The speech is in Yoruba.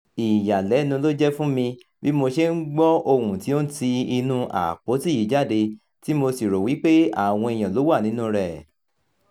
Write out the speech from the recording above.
Ìyàlẹ́nu ló jẹ́ fún mi bí mo ṣe ń gbọ́ ohùn tí ó ń ti inúu "àpótí" yìí jáde tí mo sì rò wípé àwọn èèyàn ló wà nínúu rẹ̀.